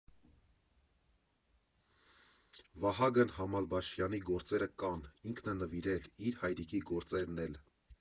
Վահագն Համալբաշյանի գործերը կան՝ ինքն է նվիրել, իր հայրիկի գործերն էլ։